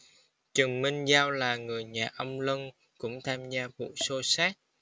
trần minh giao là người nhà ông lân cũng tham gia vụ xô xát